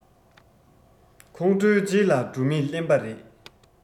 ཁོང ཁྲོའི རྗེས ལ འགྲོ མི གླེན པ རེད